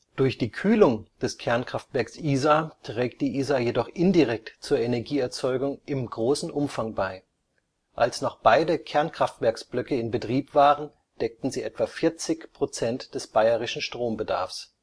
Durch die Kühlung des Kernkraftwerks Isar trägt die Isar jedoch indirekt zur Energieerzeugung im großen Umfang bei; als noch beide Kernkraftwerksblöcke in Betrieb waren, deckten sie etwa 40 Prozent des bayerischen Strombedarfs